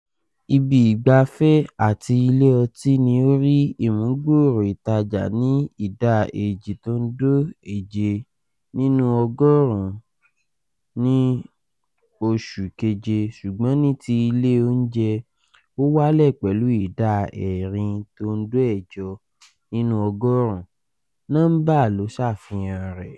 Ibi ìgbafẹ́ àti ilé ọtí ni ó rí ìmúgbóòrò ìtajà ní ìda 2.7 nínú ọgọ́rùn-ún ní oṣù keje - ṣùgbọ́n ní ti ilé oúnjẹ, ó wálẹ̀ pẹ̀lú ìdá 4.8 nínú ọgórùn-ún, nọ́ḿbà ló ṣàfihàn rẹ̀.